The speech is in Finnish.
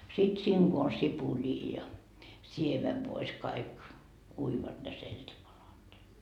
sitten siinä kun on sipulia ja siemenvoissa kaikki uivat ne seltipalat niin